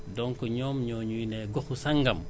donc ñoom ñoo ñuy ne goxu sàngam